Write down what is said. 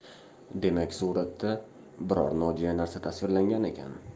demak suratda biror nojo'ya narsa tasvirlangan ekan